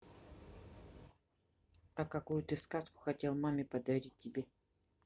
а какую ты сказку хотел маме подарить тебе